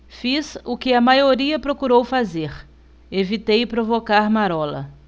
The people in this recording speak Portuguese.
fiz o que a maioria procurou fazer evitei provocar marola